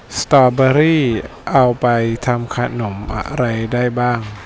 สตอเบอร์รี่เอาไปทำขนมอะไรได้บ้าง